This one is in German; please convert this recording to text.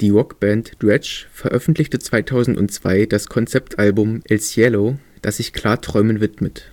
Rockband dredg veröffentlichte 2002 das Konzeptalbum El Cielo, das sich Klarträumen widmet